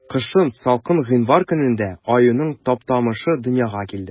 Кышын, салкын гыйнвар көнендә, аюның Таптамышы дөньяга килде.